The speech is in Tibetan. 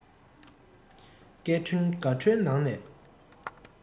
སྐད འཕྲིན དགའ སྤྲོའི ངང ནས